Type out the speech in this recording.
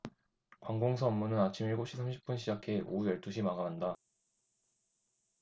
관공서 업무는 아침 일곱 시 삼십 분 시작해 오후 열 두 시 마감한다